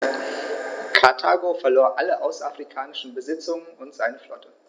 Karthago verlor alle außerafrikanischen Besitzungen und seine Flotte.